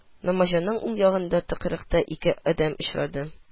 Намаҗанның уң ягындагы тыкрыкта ике адәм очрады